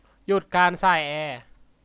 หยุดการส่ายแอร์